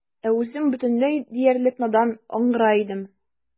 Ә үзем бөтенләй диярлек надан, аңгыра идем.